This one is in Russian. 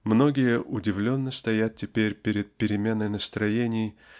Многие удивленно стоят теперь перед переменой настроений